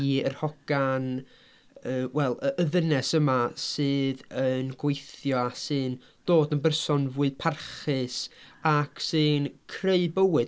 i yr hogan yy wel, y y ddynes yma sydd yn gweithio a sy'n dod yn berson fwy parchus. Ac sy'n creu bywyd.